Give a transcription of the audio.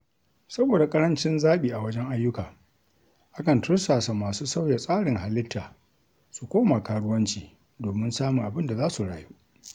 Saboda ƙarancin zaɓi a wajen ayyuka, akan tursasa masu sauya tsarin halitta su koma karuwanci domin samun abin da za su rayu.